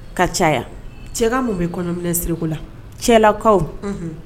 Ka caya, cɛ ka mun bɛ kɔɲɔminɛsiriko la, cɛlakaw, unhun